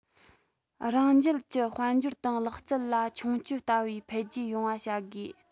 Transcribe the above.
རང རྒྱལ གྱི དཔལ འབྱོར དང ལག རྩལ ལ མཆོང སྐྱོད ལྟ བུའི འཕེལ རྒྱས ཡོང བ བྱ དགོས